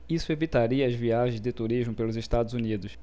isso evitaria as viagens de turismo pelos estados unidos